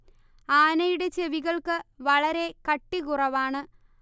ആനയുടെ ചെവികൾക്ക് വളരെ കട്ടികുറവാണ്